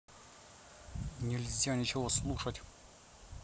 нельзя ничего слушать